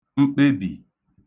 mkpebì